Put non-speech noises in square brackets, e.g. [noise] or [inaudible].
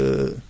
[hesitation] [hesitation]